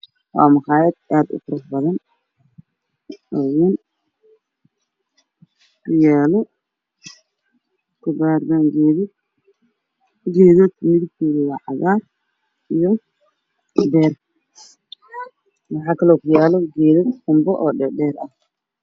Waa maqaayad aada u qurux badan waxaa ku yaalla geeda cagaaran iyagiida cagaaran oo dhaadheer